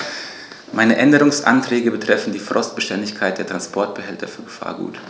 Meine Änderungsanträge betreffen die Frostbeständigkeit der Transportbehälter für Gefahrgut.